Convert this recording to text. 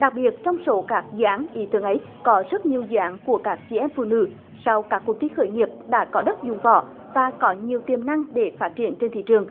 đặc biệt trong số các dự án ý tưởng ấy có rất nhiều dạng của các chị em phụ nữ sau các cuộc thi khởi nghiệp đã có đất dụng võ và có nhiều tiềm năng để phát triển trên thị trường